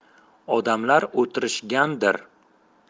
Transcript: odamlar o'tirishgandir